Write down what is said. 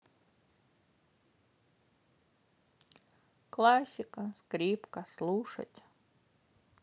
классика скрипка слушать